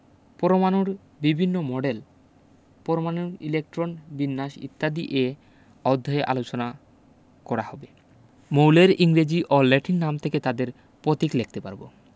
পরমাণুর বিভিন্ন মডেল পরমাণুর ইলেকট্রন বিন্যাস ইত্যাদি এ অধ্যায়ে আলোচনা করা হবে মৌলের ইংরেজি ও ল্যাটিন নাম থেকে তাদের পতীক লেখতে পারব